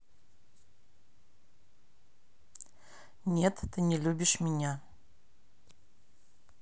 нет ты не любишь меня